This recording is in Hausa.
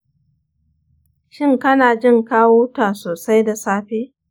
shin kanajin ka huta sosai da safe?